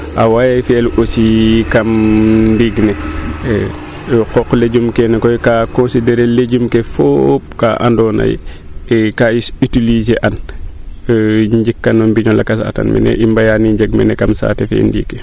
a way fiyel aussi kam ndiing ne a qooq legume keene koy kaa considéré légume ke fop kaa ando naye kaa i utiliser an njik kan o mbiño lakas atan mene i mbaa yin o njeg mene kam saate fee